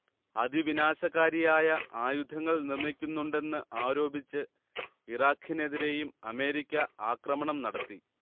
അതിവിനാശകാരിയായ ആയുധങ്ങൾ നിർമ്മിക്കുന്നുണ്ടെന്ന് ആരോപിച്ച് ഇറാഖിനെതിരെയും അമേരിക്ക ആക്രമണം നടത്തി